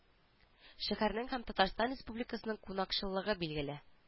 Шәһәрнең һәм татарстан республикасының кунакчыллыгы билгеле